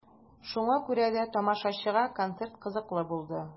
Шуңа күрә дә тамашачыга концерт кызыклы булды.